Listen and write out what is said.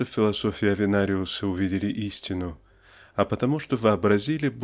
что в философии Авенариуса увидели истину а потому что вообразили